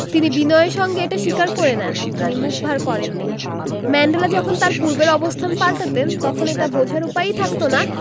তিনি বিনয়ের সঙ্গে এটা স্বীকার করে নেন তিনি মুখ ভার করেননি ম্যান্ডেলা যখন তাঁর পূর্বের অবস্থান পাল্টাতেন তখন এটা বোঝার উপায়ই থাকত না